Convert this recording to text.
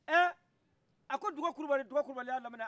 ɛɛ a ko duga kulubali duga kulubali ye a laminɛ